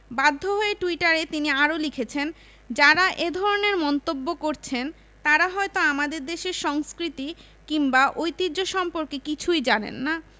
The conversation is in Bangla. বাধ্য হয়ে টুইটারে তিনি আবারও লিখেছেন যাঁরা এ ধরনের মন্তব্য করছেন তাঁরা হয়তো আমাদের দেশের সংস্কৃতি এবং ঐতিহ্য সম্পর্কে কিছুই জানেন না